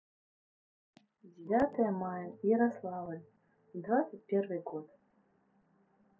девятое мая ярославль двадцать первый год